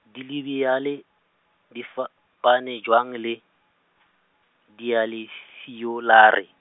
dilebiyale, di fapane jwang le, dialefiyolare.